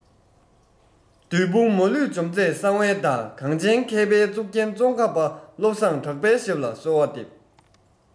བདུད དཔུང མ ལུས འཇོམས མཛད གསང བའི བདག གངས ཅན མཁས པའི གཙུག རྒྱན ཙོང ཁ བ བློ བཟང གྲགས པའི ཞབས ལ གསོལ བ འདེབས